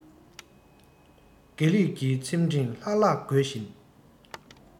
དགེ ལེགས ཀྱི ཚེམས ཕྲེང ལྷག ལྷག དགོད བཞིན